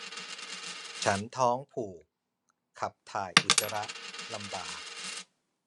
ฉันท้องผูกขับถ่ายอุจจาระลำบาก